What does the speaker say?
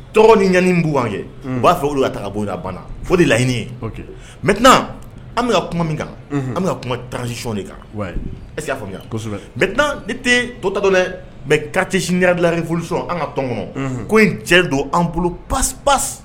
Ɲani b an u b'a fɛ olu' ta bɔ banna fo de laɲiniini ye mɛt an bɛ kuma min kan an bɛ kuma tansiyɔn de kan ɛ y'a faamuya mɛt ne tɛ totadɔ dɛ mɛ ka cɛsin la sɔn an ka tɔn kɔnɔ ko in cɛ don an bolo pass